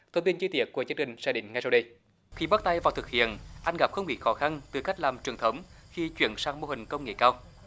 thông tin chi tiết của chương trình sẽ đến ngay sau đây khi bắt tay vào thực hiện anh gặp không ít khó khăn từ cách làm truyền thống khi chuyển sang mô hình công nghệ cao